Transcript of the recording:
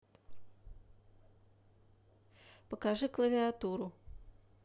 покажи клавиатуру